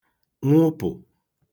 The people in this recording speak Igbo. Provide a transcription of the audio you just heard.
nwụpụ̀